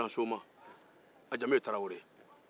bulɔnsoma tarawele